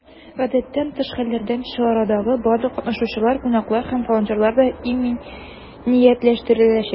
Гадәттән тыш хәлләрдән чарадагы барлык катнашучылар, кунаклар һәм волонтерлар да иминиятләштереләчәк.